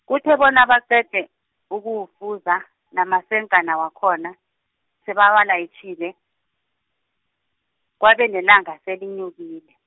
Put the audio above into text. kuthe bona baqede, ukuwufuza, namasenkana wakhona, sebawalayitjhile, kwabe nelanga selenyukile.